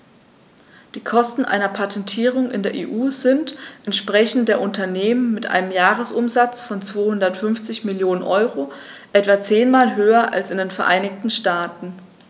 Die Kosten einer Patentierung in der EU sind, entsprechend der Unternehmen mit einem Jahresumsatz von 250 Mio. EUR, etwa zehnmal höher als in den Vereinigten Staaten.